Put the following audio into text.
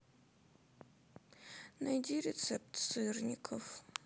найди рецепт сырников